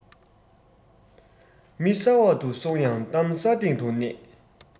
མི ས འོག དུ སོང ཡང གཏམ ས སྟེང དུ གནས